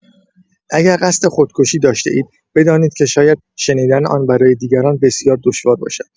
اگر قصد خودکشی داشته‌اید، بدانید که شاید شنیدن آن برای دیگران بسیار دشوار باشد.